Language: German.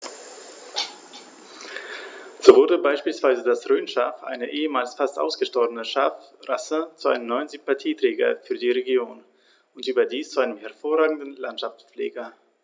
So wurde beispielsweise das Rhönschaf, eine ehemals fast ausgestorbene Schafrasse, zu einem neuen Sympathieträger für die Region – und überdies zu einem hervorragenden Landschaftspfleger.